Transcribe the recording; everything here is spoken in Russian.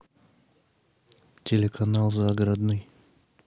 телеканал загородный